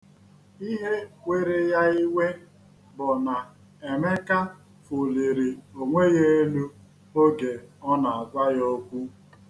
Ihe were ya iwe bụ na Emeka fụliri onwe ya elu oge ọ na-agwa ya okwu.